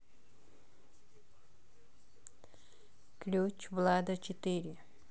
ключ влада четыре